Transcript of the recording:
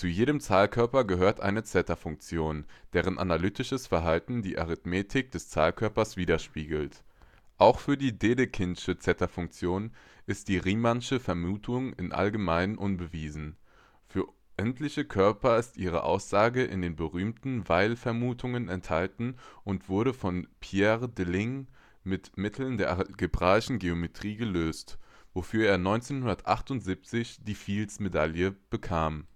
jedem Zahlkörper gehört eine Zeta-Funktion, deren analytisches Verhalten die Arithmetik des Zahlkörpers widerspiegelt. Auch für die Dedekindschen Zeta-Funktionen ist die Riemannsche Vermutung im Allgemeinen unbewiesen. Für endliche Körper ist ihre Aussage in den berühmten Weil-Vermutungen enthalten und wurde von Pierre Deligne mit Mitteln der algebraischen Geometrie gelöst, wofür er 1978 die Fields-Medaille bekam